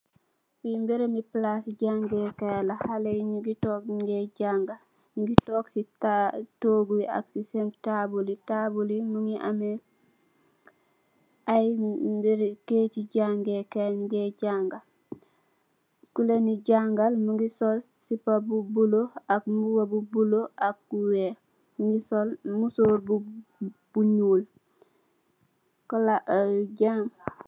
Fii barami jagakai ay hali nugi touk ci jagakai bi jagalaka bi mu soul mbuba bu bulo